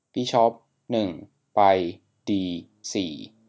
บิชอปหนึ่งไปดีสี่